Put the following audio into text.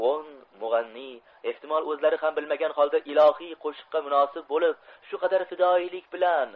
o'n mug'anniy ehtimol o'zlari ham bilmagan holda ilohiy qo'shiqqa munosib bo'lib shu qadar fidoyilik bilan